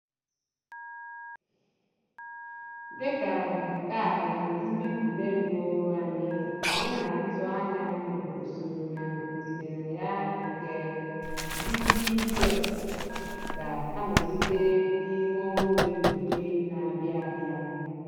Dị ka nke a bụ mbipụta mbụ anyị, anyị na-atụ anya na usoro na ndịnaya nke 'DigiGlot' ga-amalite n'ime ọnwa ole na ole na-abịa abịa.